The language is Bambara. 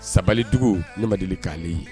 Sabalidugu nema deli ka ne ye